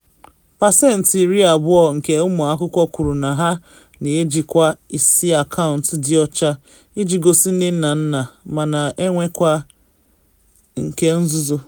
Pasentị iri abụọ nke ụmụ akwụkwọ kwuru na ha na ejikwa “isi” akaụntụ dị ọcha iji gosi nne na nna, ma na enwekwa nke nzuzo.